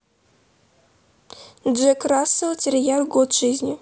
джек рассел терьер год жизни